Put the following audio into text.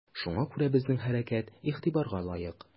Шуңа күрә безнең хәрәкәт игътибарга лаек.